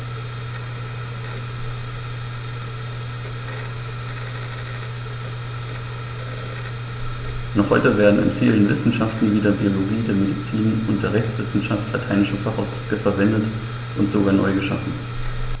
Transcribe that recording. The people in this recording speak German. Noch heute werden in vielen Wissenschaften wie der Biologie, der Medizin und der Rechtswissenschaft lateinische Fachausdrücke verwendet und sogar neu geschaffen.